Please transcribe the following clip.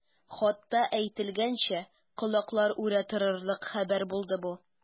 Хатта әйтелгәнчә, колаклар үрә торырлык хәбәр булды бу.